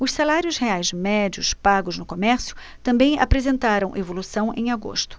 os salários reais médios pagos no comércio também apresentaram evolução em agosto